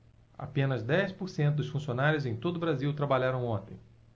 apenas dez por cento dos funcionários em todo brasil trabalharam ontem